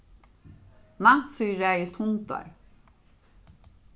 nansý ræðist hundar